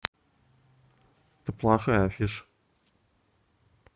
ты плохая афиша